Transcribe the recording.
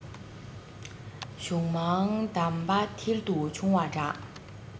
གཞུང མང གདམས པ མཐིལ དུ ཕྱུང བ འདྲ